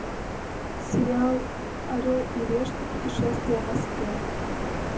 орел и решка путешествие в москве